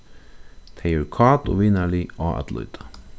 tey eru kát og vinarlig á at líta